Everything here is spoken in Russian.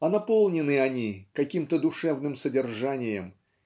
а наполнены они каким-то душевным содержанием